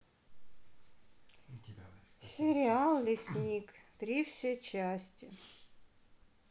сериал лесник три все части